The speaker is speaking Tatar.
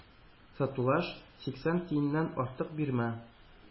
Сатулаш, сиксән тиеннән артык бирмә.